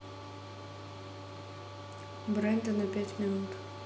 бренда на пять минут